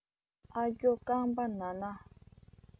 ཨ སྐྱོ རྐང པ ན ན